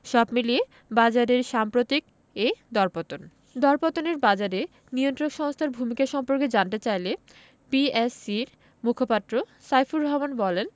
সব মিলিয়ে বাজারের সাম্প্রতিক এ দরপতন দরপতনের বাজারে নিয়ন্ত্রক সংস্থার ভূমিকা সম্পর্কে জানতে চাইলে পিএসসির মুখপাত্র সাইফুর রহমান বলেন